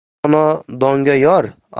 dono donoga yor